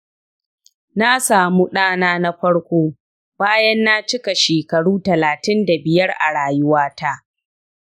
na samu ɗana na farko bayan na cika shekaru talatin da biyar a rayuwata